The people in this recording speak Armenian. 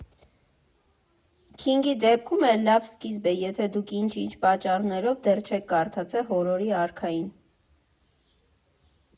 Քինգի դեպքում էլ լավ սկիզբ է, եթե դուք ինչ֊ինչ պատճառներով դեռ չեք կարդացել հորորի արքային.